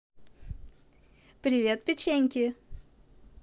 привет печеньки